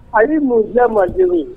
A ni mundiya mandenw